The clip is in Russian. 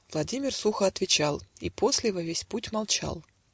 Владимир сухо отвечал И после во весь путь молчал.